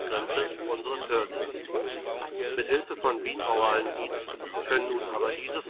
binauralen Beats können nun aber diese